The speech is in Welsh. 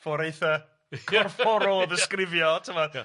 Ffor eitha corfforol o ddisgrifio t'mod... Ia.